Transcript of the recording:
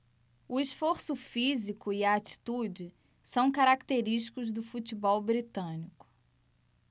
o esforço físico e a atitude são característicos do futebol britânico